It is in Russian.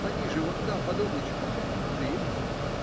- пониже, вон там, под облачком. прелесть!